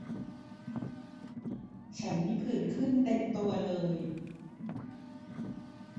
ฉันมีผื่นขึ้นเต็มตัวเลย